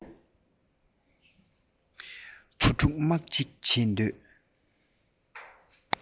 བུ ཕྲུག དམག ཅིག བྱེད འདོད